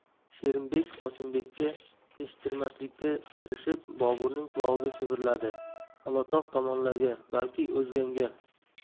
sherimbek qosimbekka eshittirmaslikka tirishib boburning qulog'iga shivirladi olatog' tomonlarga balki o'zganga